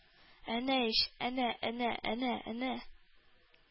-әнә ич, әнә, әнә, әнә, әнә!